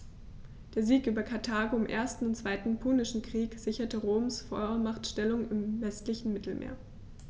Der Sieg über Karthago im 1. und 2. Punischen Krieg sicherte Roms Vormachtstellung im westlichen Mittelmeer.